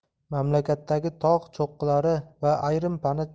mamlakatdagi tog' cho'qqilari va ayrim pana